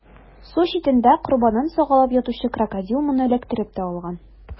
Су читендә корбанын сагалап ятучы Крокодил моны эләктереп тә алган.